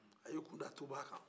a y'i kunda tuba kan